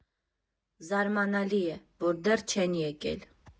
Զարմանալի են, որ դեռ չեն եկել։